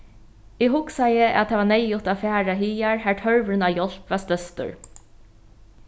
eg hugsaði at tað var neyðugt at fara hagar har tørvurin á hjálp var størstur